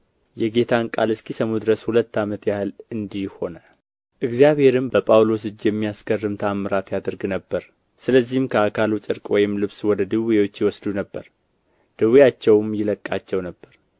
የጌታን ቃል እስኪሰሙ ድረስ ሁለት ዓመት ያህል እንዲህ ሆነ እግዚአብሔርም በጳውሎስ እጅ የሚያስገርም ተአምራት ያደርግ ነበር ስለዚህም ከአካሉ ጨርቅ ወይም ልብስ ወደ ድውዮች ይወስዱ ነበር ደዌያቸውም ይለቃቸው ነበር